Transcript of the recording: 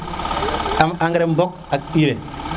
am engrais mbok ak urée